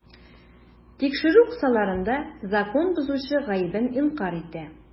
Тикшерү кысаларында закон бозучы гаебен инкарь итә.